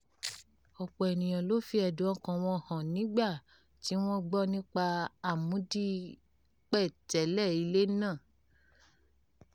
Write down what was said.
Ọ̀pọ̀ ènìyàn l'ó fi ẹ̀dùn ọkàn-an wọn hàn nígbà tí wọ́n gbọ́ nípa àmúdipẹ̀tẹ́lẹ̀ ilé náà.